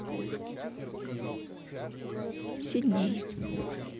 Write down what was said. сидней